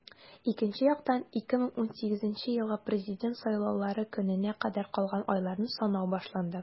Икенче яктан - 2018 елгы Президент сайлаулары көненә кадәр калган айларны санау башланды.